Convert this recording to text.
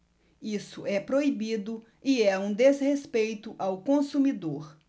isso é proibido e é um desrespeito ao consumidor